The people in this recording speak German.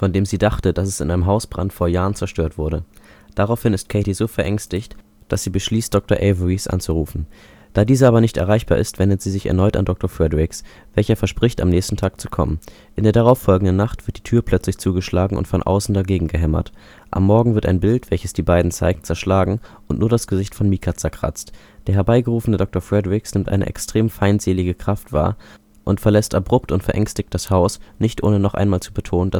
dem sie dachte, dass es in einem Hausbrand vor Jahren zerstört wurde. Daraufhin ist Katie so verängstigt dass sie beschließt, Dr. Averies anzurufen. Da dieser aber nicht erreichbar ist wendet sie sich erneut an Dr. Fredrichs, welcher verspricht am nächsten Tag zu kommen. In der darauf folgenden Nacht wird die Tür plötzlich zugeschlagen und von außen dagegen gehämmert. Am Morgen wird ein Bild, welches die beiden zeigt, zerschlagen und nur das Gesicht von Micah zerkratzt. Der herbeigerufene Dr. Fredrichs nimmt eine extrem feindselige Kraft wahr und verlässt abrupt und verängstigt das Haus, nicht ohne noch einmal zu betonen